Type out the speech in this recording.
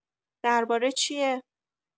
درباره چیه؟